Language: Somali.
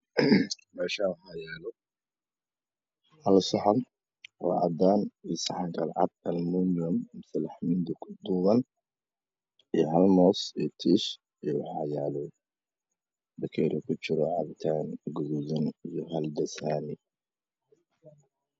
Meshaan waxaa yala hal sax oo cadaana ah iyo saxan kale cad qalimoon iyo mindi ku duupan iyo hal mooz iyo tiish waxaa yaalo pakeeri ku jira capitaan guduudan iyo hal deesaani